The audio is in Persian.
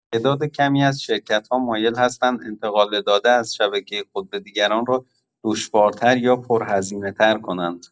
تعداد کمی از شرکت‌ها مایل هستند انتقال داده از شبکه خود به دیگران را دشوارتر یا پرهزینه‌تر کنند.